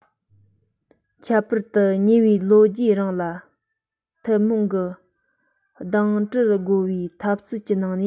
ཁྱད པར དུ ཉེ བའི ལོ བརྒྱའི རིང ལ ཐུན མོང གི སྡང དགྲར རྒོལ བའི འཐབ རྩོད ཀྱི ནང ནས